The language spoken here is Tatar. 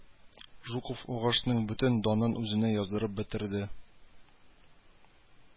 Жуков угышның бөтен данын үзенә яздырып бетерде